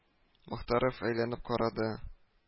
Мохтаров әйләнеп карады